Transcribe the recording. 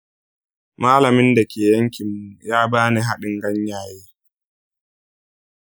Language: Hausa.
mallamin da ke yankinmu ya ba ni hadin ganyaye.